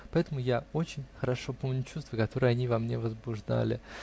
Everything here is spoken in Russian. поэтому я очень хорошо помню чувство, которое они во мне возбуждали.